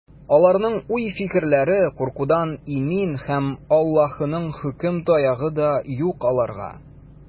Аларның уй-фикерләре куркудан имин, һәм Аллаһының хөкем таягы да юк аларга.